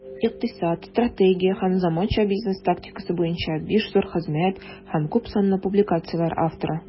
Икътисад, стратегия һәм заманча бизнес тактикасы буенча 5 зур хезмәт һәм күпсанлы публикацияләр авторы.